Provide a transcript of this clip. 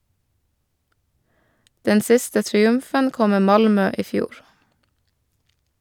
Den siste triumfen kom med Malmö i fjor.